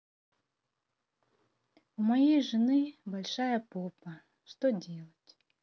у моей жены большая попа что делать